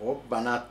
O ban